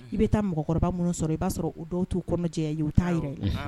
I bɛ taa mɔgɔkɔrɔba minnu sɔrɔ i b'a sɔrɔ o dɔw t'u kɔnɔjɛ ya i ye u t'a yɛrɛ